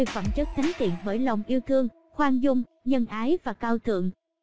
phẩm chất thánh thiện bởi lòng yêu thương khoan dung nhân ái và cao thượng